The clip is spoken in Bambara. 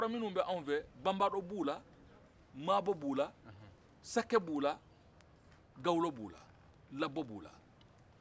banbadɔ b'u la mabɔ b'u la sakɛ b'u la gawulɔ b'u la labɔ b'u la